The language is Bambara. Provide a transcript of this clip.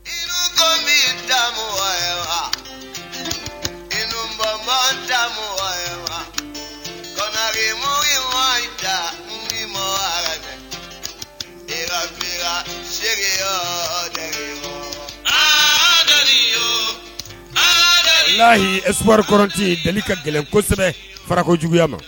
Yiri min da wa n da wa kɔnɔkikuma mɔgɔ in ja mɔgɔ jeliba sɛyɔrɔ deli yo ayi esrikɔrɔti deli ka gɛlɛn kosɛbɛ fara juguya ma